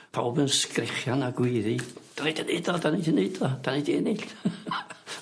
Pawb yn sgrechian a gweiddi dan ni di neud o 'dan ni 'di neud o 'dan ni 'di ennill.